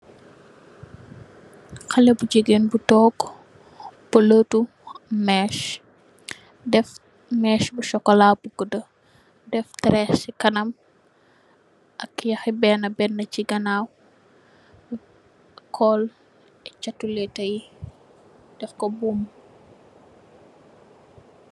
Hale bu jigen bu tog letu mess bu chocola bu gudu, def teres ci kanam ak yahi bena bena, cul yahi leta yii deff bumm.